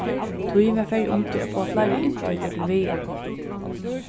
tí var farið undir at fáa fleiri inntøkur til vega